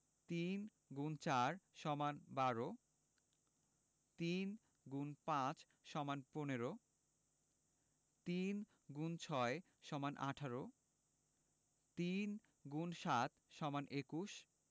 ৩ X ৪ = ১২ ৩ X ৫ = ১৫ ৩ x ৬ = ১৮ ৩ × ৭ = ২১